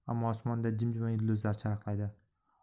ammo osmonda jim jima yulduzlar charaqlaydi